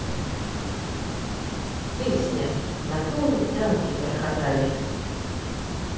песня на поле танки грохотали